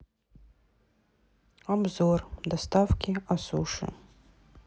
обзор доставки о суши